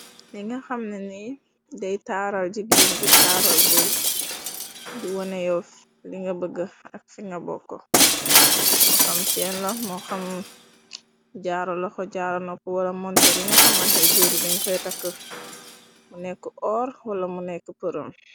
li nga xamna ni dey taaral jigeen di taaral góor di wone yoof li nga bëgg ak singa bokk moo xam cenn la moo xam jaaro la xo jaara nopp wala montor yi nga xamante góori deñ koy takk mu nekk oor wala mu nekk përam.